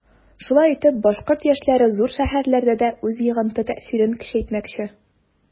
Шулай итеп башкорт яшьләре зур шәһәрләрдә дә үз йогынты-тәэсирен көчәйтмәкче.